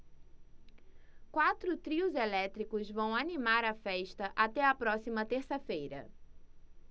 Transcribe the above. quatro trios elétricos vão animar a festa até a próxima terça-feira